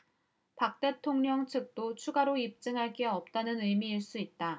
박 대통령 측도 추가로 입증할 게 없다는 의미일 수 있다